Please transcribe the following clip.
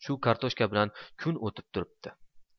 shu kartoshka bilan kun o'tib turibdi